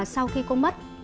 sau khi cô mất